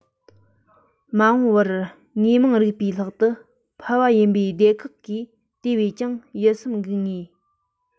མ འོངས པར དངོས མང རིག པའི ལྷག ཏུ ཕལ བ ཡིན པའི སྡེ ཁག གིས དེ བས ཀྱང ཡིད སེམས འགུག ངེས ཡིན